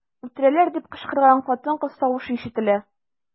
"үтерәләр” дип кычкырган хатын-кыз тавышы ишетелә.